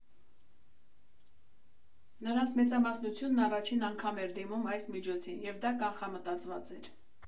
Նրանց մեծամասնությունն առաջին անգամ էր դիմում այս միջոցին, և դա կանխամտածված էր։